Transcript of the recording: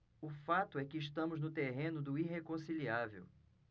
o fato é que estamos no terreno do irreconciliável